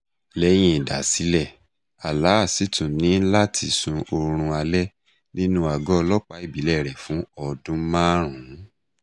Lẹ́yìn ìdásílẹ̀, Alaa ṣì tún ní láti sun ọrùn alẹ́ nínú àgọ́ ọlọ́pàá ìbílẹ̀ẹ rẹ̀ fún "ọdún márùn-ún".